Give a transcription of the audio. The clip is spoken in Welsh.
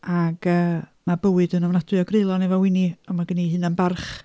Ac y mae bywyd yn ofnadwy o greulon efo Wini, ond mae gen hi hunan barch.